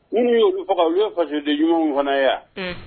N y'olu faga u ye faso de ɲumanw fana yan